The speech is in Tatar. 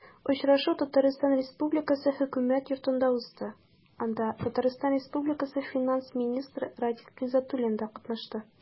Очрашу Татарстан Республикасы Хөкүмәт Йортында узды, анда ТР финанс министры Радик Гайзатуллин да катнашты.